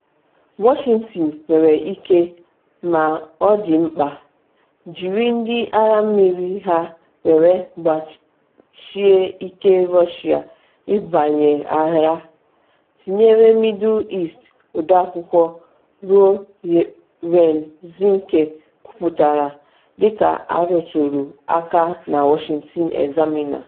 Washington nwere ike “ma ọ dị mkpa” jiri Ndị Agha Mmiri ha nwere gbachie ike Russia ibanye ahịa, tinyere Middle East, Ọde Akwụkwọ US Ryan Zinke kwuputara, dịka arụtụrụ aka na Washington Examiner.